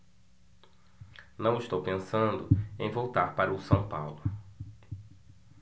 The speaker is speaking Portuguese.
não estou pensando em voltar para o são paulo